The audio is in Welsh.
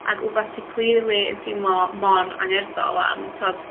ag wbath ti clearly yn teimlo mor angerddol am t'w'od